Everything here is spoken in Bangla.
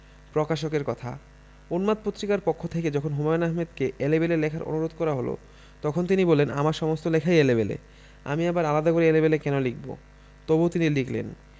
প্রকাশকের কথা উন্মাদ পত্রিকার পক্ষথেকে যখন হুমায়ন আহমেদকে 'এলেবেলে লেখার অনুরোধে করা হল তখন তিনি বললেন আমার সমস্ত লেখাই এলেবেলে আমি আবার আলাদা করে এলেবেলে কেন লিখব তবু তিনি লিখলেন